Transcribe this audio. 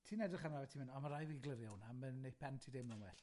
ti'n edrych arno fe a ti'n mynd, o ma' rai' fi glirio hwnna, ma'n neud pen ti deimlo'n well.